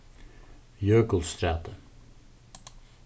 jøkulstræti